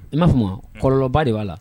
I b'a f kuma kɔlɔlɔnlɔba de b'a la